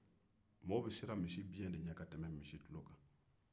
maaw bɛ siraan misi biy ɛn de ɲɛ ka tɛmɛ misi tulo kan